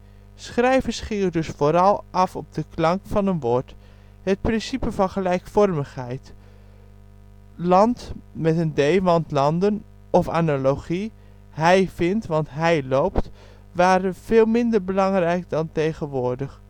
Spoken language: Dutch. Schrijvers gingen dus vooral af op de klank van een woord. Het principe van gelijkvormigheid (land, want landen) of analogie (hij vindt, want hij loopt) waren veel minder belangrijk dan tegenwoordig